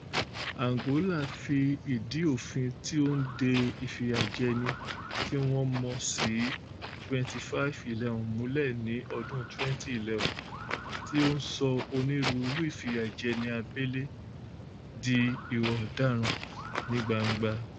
Angola fi ìdí òfin tí ó ń de ìfìyàjẹni tí wọ́n mọ̀ sí 25/11 múlẹ̀ ní ọdún 2011 tí ó ń sọ onírúurú ìfìyàjẹni abẹ́lé di ìwà ọ̀daràn ní gbangba.